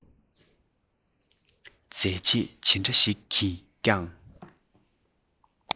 མཛད རྗེས ཇི འདྲ ཞིག གིས ཀྱང